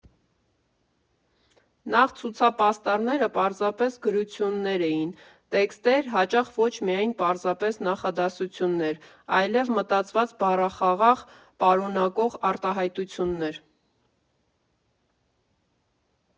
Նախ ցուցապաստառները պարզապես գրություններ էին, տեքստեր, հաճախ ոչ միայն պարզապես նախադասություններ, այլև մտածված բառախաղ պարունակող արտահայտություններ։